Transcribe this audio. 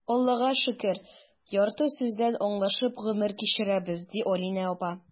Аллаһыга шөкер, ярты сүздән аңлашып гомер кичерәбез,— ди Алинә апа.